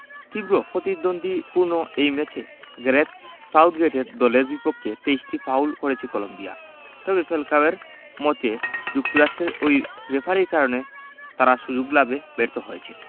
তীব্র প্রতিদ্বন্দ্বিপূর্ণ এই ম্যাচে গ্যারেথ সাউথগেটের দলের বিপক্ষে ২৩টি ফাউল করেছে কলম্বিয়া তবে ফ্যালকাওয়ের মতে যুক্তরাষ্ট্রের ওই রেফারির কারণে তারা সুযোগ লাভে ব্যর্থ হয়েছে